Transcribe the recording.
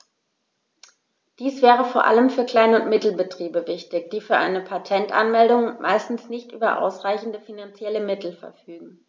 Dies wäre vor allem für Klein- und Mittelbetriebe wichtig, die für eine Patentanmeldung meistens nicht über ausreichende finanzielle Mittel verfügen.